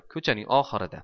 ko'chaning oxirida